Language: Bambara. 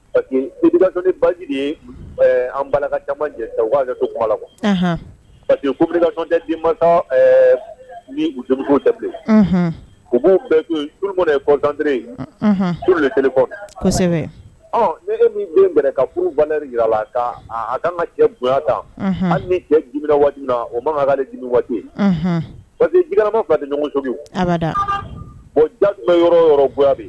Pa que baji an bala ka ca to kuma la kuwa pa tɛ ma ni u tɛ u b'o kɔtere kosɛbɛ ne min den minɛ ka furu banɛ jira la a ka ka cɛ bota an min cɛ di waati na o maale dimi waatiye pama fa ni cogoda da tun bɛ yɔrɔ yɔrɔ